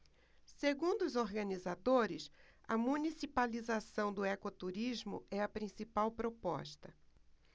segundo os organizadores a municipalização do ecoturismo é a principal proposta